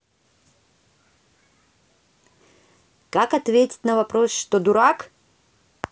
как ответить на вопрос что дурак